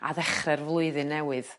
a ddechre'r flwyddyn newydd.